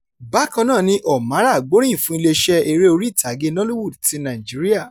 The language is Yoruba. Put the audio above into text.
Bákan náà ni Omarah gbóríyìn fún iléeṣẹ́ eré orí ìtàgé Nollywood ti Nàìjíríà.